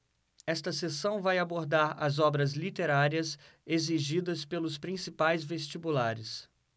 esta seção vai abordar as obras literárias exigidas pelos principais vestibulares